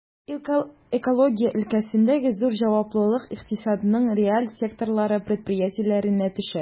Экология өлкәсендәге зур җаваплылык икътисадның реаль секторлары предприятиеләренә төшә.